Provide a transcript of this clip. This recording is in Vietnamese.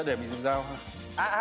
để mình giao á á